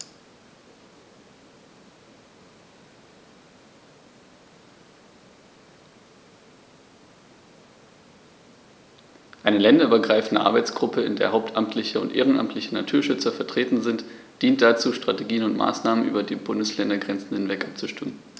Eine länderübergreifende Arbeitsgruppe, in der hauptamtliche und ehrenamtliche Naturschützer vertreten sind, dient dazu, Strategien und Maßnahmen über die Bundesländergrenzen hinweg abzustimmen.